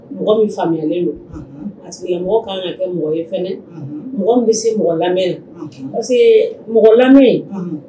Mɔgɔ min faamuyalen don parceseke mɔgɔ ka kan ka kɛ mɔgɔ ye mɔgɔ bɛ se mɔgɔ lamɛn se mɔgɔ lamɛn